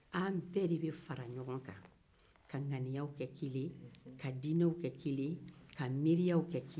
an bɛɛ de bɛ fara ɲɔgɔn kan ka ŋaniyaw kɛ kelen ye ka diinɛw kɛ kelen ye